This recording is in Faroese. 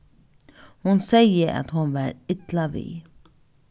hon segði at hon var illa við